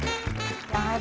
hai